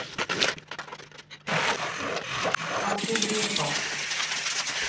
от филиппа